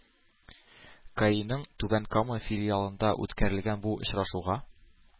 Каиның түбән кама филиалында үткәрелгән бу очрашуга